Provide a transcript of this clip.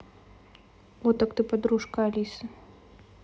о так ты подружка алисы